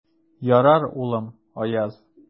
Ярар, улым, Аяз.